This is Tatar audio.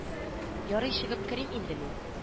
Ярый чыгып керим инде мин